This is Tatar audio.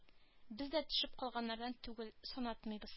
Без дә төшеп калганнардан түгел сынатмабыз